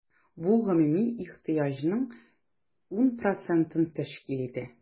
Бу гомуми ихтыяҗның 10 процентын тәшкил итә.